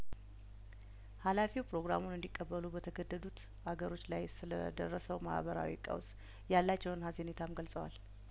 ሀላፊው ፕሮግራሙን እንዲቀበሉ በተገደዱት አገሮች ላይ ስለደረሰው ማህበራዊ ቀውስ ያላቸውን ሀዘኔ ታም ገልጸዋል